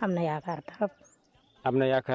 am naa yaakaar trop